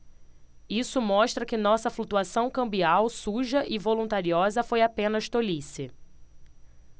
isso mostra que nossa flutuação cambial suja e voluntariosa foi apenas tolice